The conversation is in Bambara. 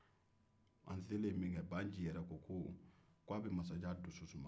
an selen min kɛ ba nci yɛrɛ ko k'a bɛ masajan dusu suma